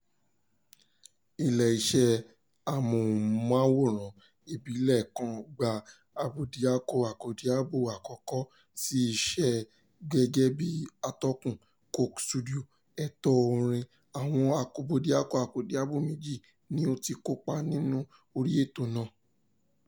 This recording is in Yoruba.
Ilé iṣẹ́ amóhùnmáwòrán ìbílẹ̀ kan gba Abódiakọ-akọ́diabo àkọ́kọ́ sí iṣẹ́ gẹ́gẹ́ bí atọ́kùn; Coke Studio, ètò orin, àwọn Abódiakọ-akọ́diabo méjì ni ó ti kópa ní orí ètò náà.